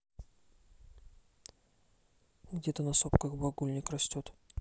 где то на сопках багульник растет